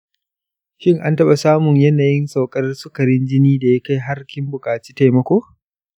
shin an taɓa samun yanayin saukar sukarin jini da ya kai har kin bukaci taimako?